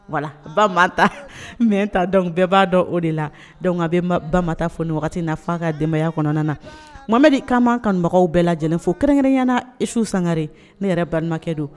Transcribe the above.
Wala ba mɛ ta dɔn bɛɛ b'a dɔn o de la dɔnku bata fɔ ni wagati n na fanga ka denbayaya kɔnɔna na mama di ka kanubagaw bɛɛ la lajɛlen fo kɛrɛnkɛrɛnyaanasu sangare ne yɛrɛ balimakɛ don